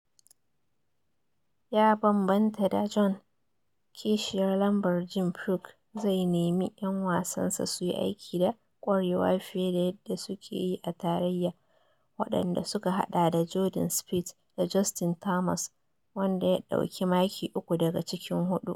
Ya bambanta da Bjorn, kishiyar lambar Jim Furyk zai nemi 'yan wasansa suyi aiki da kwarewa fiye da yadda suke yi a tarayya, waɗanda suka hada da Jordan Spieth da Justin Thomas, wanda ya dauki maki uku daga cikin hudu.